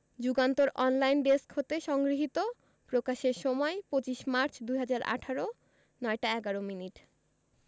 Jugantor online desk হতে সংগৃহীত প্রকাশের সময় ২৫ মার্চ ২০১৮ ০৯ টা ১১ মিনিট